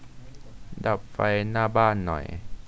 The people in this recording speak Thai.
ดับไฟหน้าบ้านหน่อย